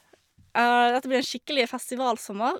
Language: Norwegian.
Dette blir en skikkelig festivalsommer.